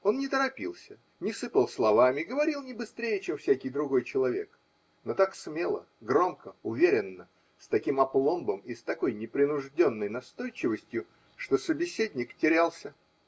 Он не торопился, не сыпал словами, говорил не быстрее, чем всякий другой человек, но так смело, громко, уверенно, с таким апломбом и с такой непринужденной настойчивостью, что собеседник терялся.